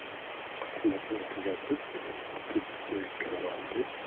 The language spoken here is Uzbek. xizmatni tugatib institutga kiraman deb